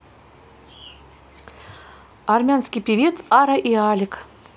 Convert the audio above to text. армянский певец ара и алик